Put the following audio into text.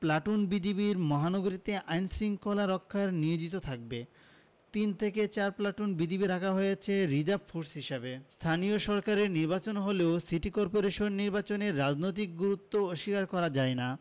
platoon BGB মহানগরীতে আইন শৃঙ্খলা রক্ষায় নিয়োজিত থাকবে তিন থেকে চার প্লাটুন বিজিবি রাখা হয়েছে রিজার্ভ ফোর্স হিসেবে স্থানীয় সরকারের নির্বাচন হলেও সিটি করপোরেশন নির্বাচনের রাজনৈতিক গুরুত্ব অস্বীকার করা যায় না